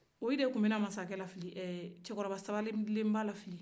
olu de tun bɛna masakɛ lafili eee cɛkɔrɔba sabalilenba lafili